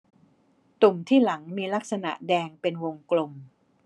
ตุ่มที่หลังมีลักษณะแดงเป็นวงกลม